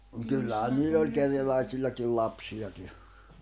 no kyllähän niillä oli kerjäläisilläkin lapsiakin